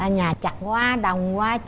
tại nhà chật quá đông quá